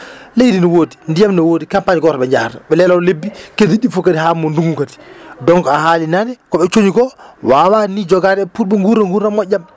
leydi no woodi ndiyam no woodi campagne gooto ɓe njahata ɓe leloo lebbi keddiiɗi ɗii fof haa mo ndunngu kadi donc a haalii naane ko ɓe coñi koo waawaani jogaade pour ɓe nguura nguurdam moƴƴam